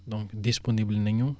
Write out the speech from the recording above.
donc disponible nañu